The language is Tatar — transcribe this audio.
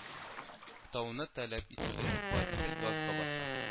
Ктауны таләп итүгә, водитель газга баса